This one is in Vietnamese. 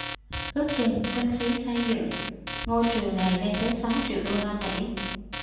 ước chừng kinh phí xây dựng ngôi trường này lên tới sáu triệu đô la mỹ